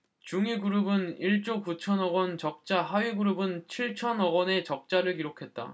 중위그룹은 일 조 구천 억원 적자 하위그룹은 칠천 억원 의 적자를 기록했다